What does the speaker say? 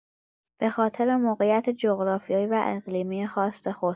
به‌خاطر موقعیت جغرافیایی و اقلیمی خاص خود